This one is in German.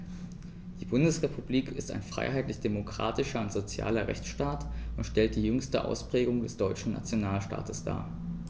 Die Bundesrepublik ist ein freiheitlich-demokratischer und sozialer Rechtsstaat[9] und stellt die jüngste Ausprägung des deutschen Nationalstaates dar.